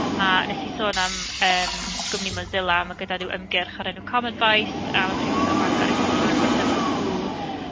Ma' nes i sôn am yym gwmni Mozilla, ma' gyda nhw ymgyrch o'r enw Common Voice a ma' Prifysgol Bangor yn gweithio'n agos efo nhw.